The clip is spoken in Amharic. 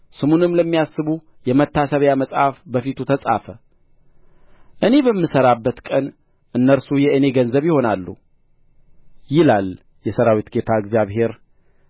ስሙንም ለሚያስቡ የመታሰቢያ መጽሐፍ በፊቱ ተጻፈ እኔ በምሠራበት ቀን እነርሱ የእኔ ገንዘብ ይሆናሉ ይላል የሠራዊት ጌታ እግዚአብሔር